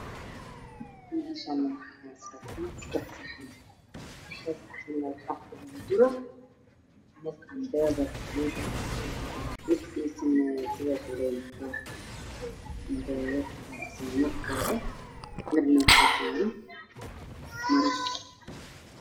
Meeshan waxaa iiga muuqda saddex saaxan ay ku jiraan wax la cunto kalarkeedu yahay jaallo waxaa kaloo ku jiro cagaar